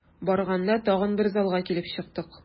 Барганда тагын бер залга килеп чыктык.